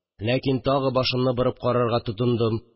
Ләкин тагы башымны борып карарга тотындым